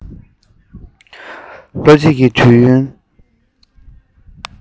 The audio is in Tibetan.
ལོ གཅིག གི དུས ཡུན